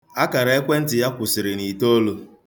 Akara ekwentị ya kwụsịrị n'itolu.